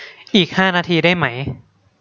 อีกห้านาทีได้ไหม